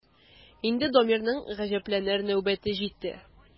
Инде Дамирның гаҗәпләнер нәүбәте җитте.